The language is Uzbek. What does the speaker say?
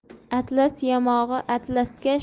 atlas yamog'i atlasga